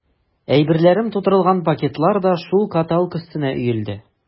Әйберләрем тутырылган пакетлар да шул каталка өстенә өелде.